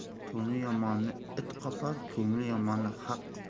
to'ni yomonni it qopar ko'ngli yomonni haq topar